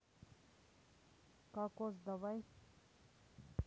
кокос давай